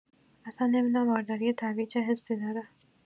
اصلا نمی‌دونم بارداری طبیعی چه حسی داره.